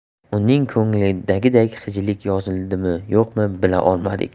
uning ko'nglidagi xijillik yozildimi yo'qmi bila olmadik